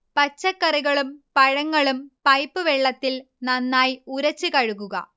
പച്ചക്കറികളും പഴങ്ങളും പൈപ്പ് വെള്ളത്തിൽ നന്നായി ഉരച്ച് കഴുകുക